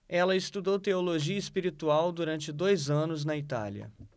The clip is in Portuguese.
ela estudou teologia espiritual durante dois anos na itália